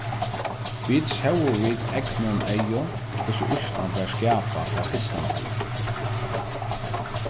vit sóu vit egnum eygum hvussu ísland varð skapað frá fyrstan tíð